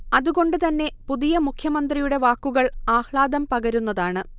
അതുകൊണ്ടുതന്നെ പുതിയ മുഖ്യമന്ത്രിയുടെ വാക്കുകൾ ആഹ്ലാദം പകരുന്നതാണ്